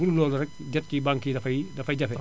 budul loolu rek jot ci banques yi dafay dafay jafe